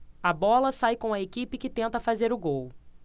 a bola sai com a equipe que tenta fazer o gol